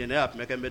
N ne y'akɛ